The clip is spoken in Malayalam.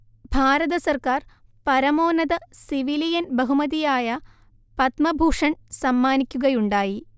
ഭാരത സർക്കാർ പരമോന്നത സിവിലിയൻ ബഹുമതിയാ പദ്മഭൂഷൺ സമ്മാനിക്കുകയുണ്ടായി